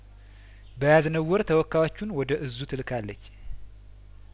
በያዝነው ወር ተወካዮቹን ወደ እዙ ትልካለች